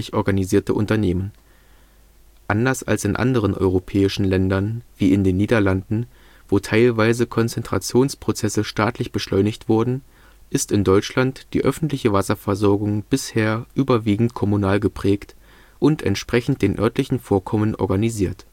organisierte Unternehmen. Anders als in anderen europäischen Ländern, wie in den Niederlanden, wo teilweise Konzentrationsprozesse staatlich beschleunigt wurden, ist in Deutschland die öffentliche Wasserversorgung bisher überwiegend kommunal geprägt und entsprechend den örtlichen Vorkommen organisiert